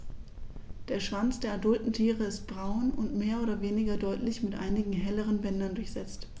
Der Schwanz der adulten Tiere ist braun und mehr oder weniger deutlich mit einigen helleren Bändern durchsetzt.